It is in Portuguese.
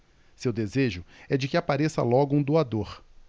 seu desejo é de que apareça logo um doador